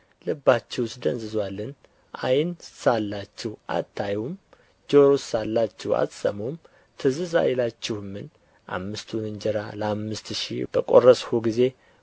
ልባችሁስ ደንዝዞአልን ዓይን ሳላችሁ አታዩምን ጆሮስ ሳላችሁ አትሰሙምን ትዝስ አይላችሁምን አምስቱን እንጀራ ለአምስት ሺህ በቈረስሁ ጊዜ